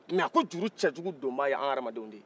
mɛ a ko juru cɛjugu donbaga ye anw adamadenw de ye